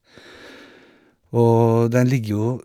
Og den ligger jo...